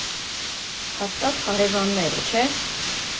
Հաստատ հարևանները, չէ՞։